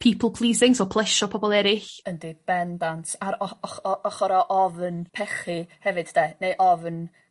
People pleasing so plesio pobol eryll. Yndi ben dant a'r o- och- o- ochor o ofn pechu hefyd 'de neu ofn